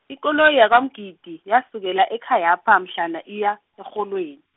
ikoloyi yakwaMgidi yasukela ekhayapha mhlana iya, erholweni.